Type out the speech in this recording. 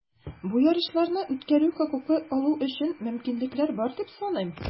Бу ярышларны үткәрү хокукы алу өчен мөмкинлекләр бар, дип саныйм.